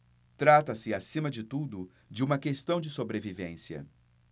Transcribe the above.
trata-se acima de tudo de uma questão de sobrevivência